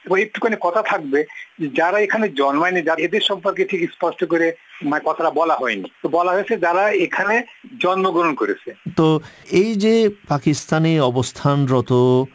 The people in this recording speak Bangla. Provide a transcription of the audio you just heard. তবু একটুখানি কথা থাকবে যারা এখানে জন্মায়নি এদের সম্পর্কে ঠিক স্পষ্ট করে কথাটা বলা হয়নি বলা হয়েছে যারা এখানে জন্মগ্রহণ করেছে তো এই যে পাকিস্থানে অবস্থানরত